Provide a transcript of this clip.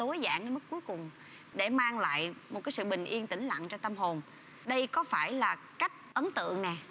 tối giản đến mức cuối cùng để mang lại một cái sự bình yên tĩnh lặng cho tâm hồn đây có phải là cách ấn tượng này